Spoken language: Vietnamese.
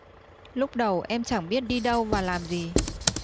lúc đầu em chẳng biết đi đâu và làm gì